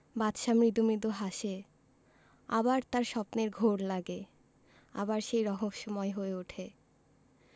বাদশা মৃদু মৃদু হাসে আবার তার স্বপ্নের ঘোর লাগে আবার সে রহস্যময় হয়ে উঠে